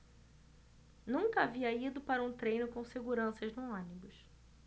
nunca havia ido para um treino com seguranças no ônibus